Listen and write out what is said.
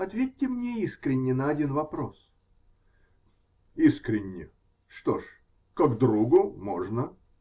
ответьте мне искренне на один вопрос. -- Искренне? Что ж, как другу, можно.